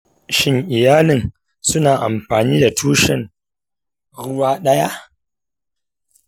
shin iyalin suna amfani da tushen ruwa ɗaya?